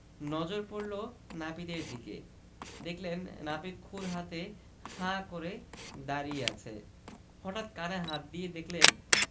নজর পড়ল নাপিতের দিকে দেখলেন নাপিত ক্ষুর হাতে হাঁ করে দাড়িয়ে আছে হঠাৎ কানে হাত দিয়ে দেখলেন